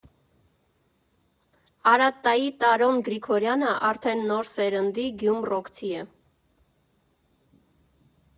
Արատտայի Տարոն Գրիգորյանը արդեն նոր սերնդի գյումռոքցի է։